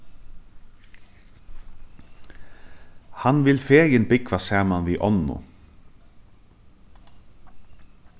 hann vil fegin búgva saman við onnu